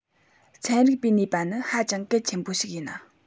ཚན རིག པའི ནུས པ ནི ཧ ཅང གལ ཆེན པོ ཞིག ཡིན